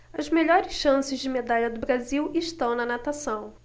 as melhores chances de medalha do brasil estão na natação